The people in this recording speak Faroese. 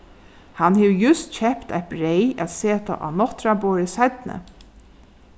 hann hevur júst keypt eitt breyð at seta á nátturðaborðið seinni